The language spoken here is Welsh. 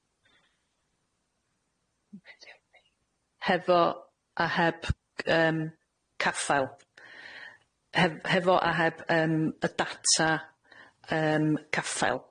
hefo a heb g- yym caffael, hef- hefo a heb yym y data yym caffael.